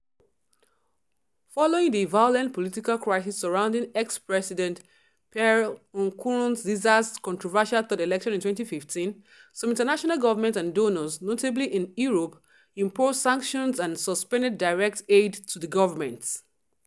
Following the violent political crisis surrounding ex-President Pierre Nkurunziza’s controversial third election in 2015, some international governments and donors, notably in Europe, imposed sanctions and suspended direct aid to the government.